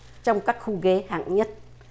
trong các khu ghế hạng nhất